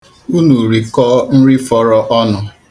Unu rikọọ nri fọrọ ọnụ.